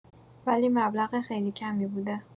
ولی مبلغ خیلی کمی بوده